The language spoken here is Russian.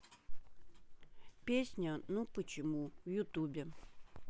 песня ну почему в ютубе